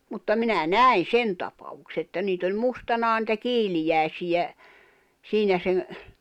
mutta minä näin sen tapauksen että niitä oli mustanaan niitä kiiliäisiä siinä sen